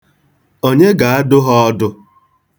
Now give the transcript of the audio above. Onye ga-adụ ha ọdụ?